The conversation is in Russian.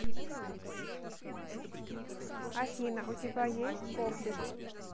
афина у тебя есть облик